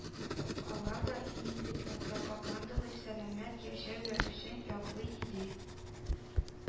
Алар да иминлекне пропагандалый, сәламәт яшәү рәвешен яклый иде